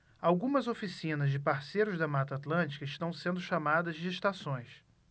algumas oficinas de parceiros da mata atlântica estão sendo chamadas de estações